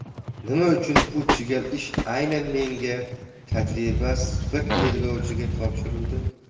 nima uchun bu chigal ish aynan menga tajribasiz bir tergovchiga topshirildi